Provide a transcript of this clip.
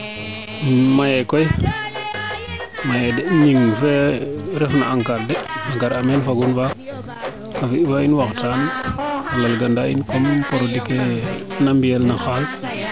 maye koy maye de Gning fee ref na ANCAR de a gar a meen fagun faak bo i waxtaan a lal ga na in podnun produit ke na mbiyel no xaal